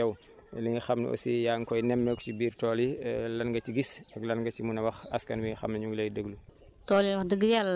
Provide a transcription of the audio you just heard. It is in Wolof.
fan la toll ak yow li nga xam ne aussi yaa ngi koy nemeeku si biir tool yi lan nga si gis ak lan nga si mën a wax askan bi nga xam ne ñu ngi lay déglu